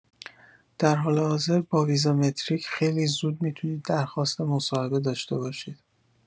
در حال حاضر با ویزامتریک خیلی زود می‌تونید درخواست مصاحبه داشته باشید.